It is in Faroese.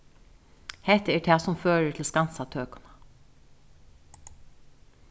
hetta er tað sum førir til skansatøkuna